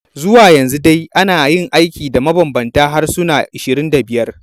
Zuwa yanzu dai ana yin aikin da mabambanta harsuna 25.